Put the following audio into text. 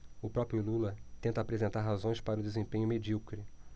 o próprio lula tenta apresentar razões para o desempenho medíocre